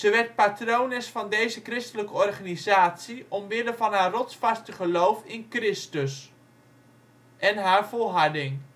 werd patrones van deze christelijke organisatie omwille van haar rotsvaste geloof in Christus en haar volharding